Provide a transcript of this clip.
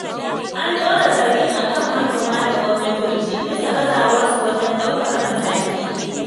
An ɗora zargin a kan manona da gwamnatoci bisa gazawarsu wajen ɗaukar mataki.